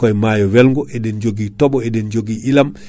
ko fiyande wotere nde ɗon fiyande so yawti tan